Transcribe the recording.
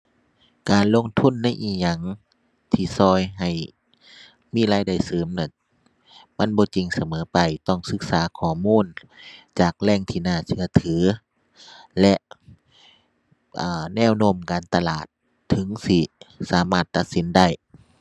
การลงทุนในอิหยังที่ช่วยให้มีรายได้เสริมนั้น มันบ่จริงเสมอไป ต้องศึกษาข้อมูลจากแหล่งที่น่าเชื่อถือและ อ่า แนวโน้มการตลาด ถึงสิสามารถตัดสินได้